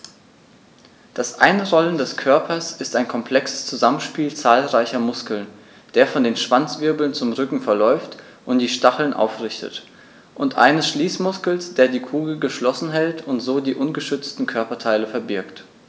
Das Einrollen des Körpers ist ein komplexes Zusammenspiel zahlreicher Muskeln, der von den Schwanzwirbeln zum Rücken verläuft und die Stacheln aufrichtet, und eines Schließmuskels, der die Kugel geschlossen hält und so die ungeschützten Körperteile verbirgt.